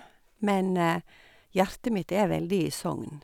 Men hjertet mitt er veldig i Sogn.